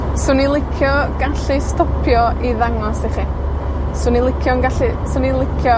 'Swn i licio gallu stopio i ddangos i ch. 'Swn i'n licio'n gallu, 'swn i'n licio